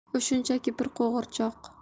u shunchaki bir qo'g'irchoq